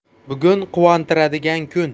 bugun quvontiradigan kun